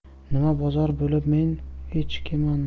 nima bozor bo'lib men echkimanmi